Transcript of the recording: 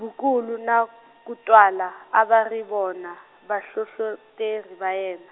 Vukulu na, Kutwala, a va ri vona, vahlohloteri va yena.